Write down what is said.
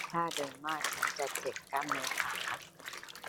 ถ้าเดินมากฉันจะเจ็บกล้ามเนื้อขา